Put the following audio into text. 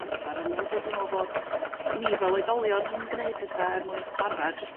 amsar arno fo 'lly. Dwi me'wl bo' ni fel oedolion yn g'neu' petha' er mwyn chwara' jys'